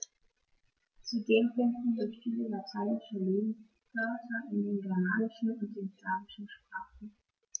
Zudem finden sich viele lateinische Lehnwörter in den germanischen und den slawischen Sprachen.